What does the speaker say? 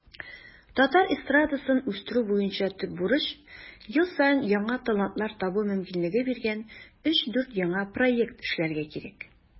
Татар эстрадасын үстерү буенча төп бурыч - ел саен яңа талантлар табу мөмкинлеге биргән 3-4 яңа проект эшләргә кирәк.